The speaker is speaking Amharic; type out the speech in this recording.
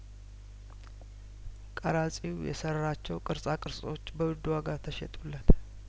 ቀራጺው የሰራቸው ቅርጻ ቅርጾች በውድ ዋጋ ተሸጡለት